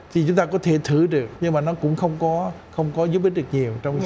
thì chúng ta có thể thử được nhưng mà nó cũng không có không có giúp ích được nhiều trong